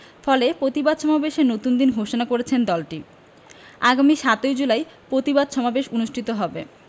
ফলে পতিবাদ সমাবেশের নতুন দিন ঘোষণা করেছে দলটি আগামী ৭ জুলাই পতিবাদ সমাবেশ অনুষ্ঠিত হবে